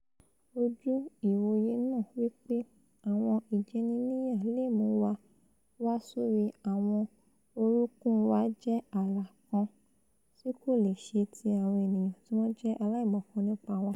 Ojú-ìwòye náà wí pé àwọn ìjẹniníyà leè mú wa wá sórí àwọn orúnkún wa jẹ́ àlá kan tí kò leè ṣẹ ti àwọn ènìyàn tíwọ́n jẹ́ aláìmọ̀kan nípa wa.